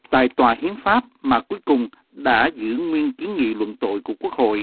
tại tòa hiến pháp mà cuối cùng đã giữ nguyên kiến nghị luận tội của quốc hội